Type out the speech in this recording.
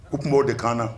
U tun'o de kaana